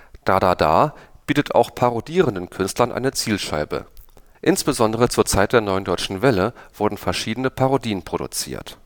Da Da Da “bietet auch parodierenden Künstlern eine Zielscheibe. Insbesondere zur Zeit der Neuen Deutschen Welle wurden verschiedene Parodien produziert